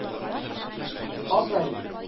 Афәрин!